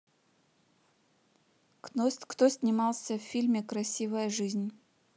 кто снимался в фильме красивая жизнь